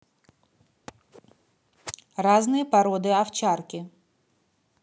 разные породы овчарки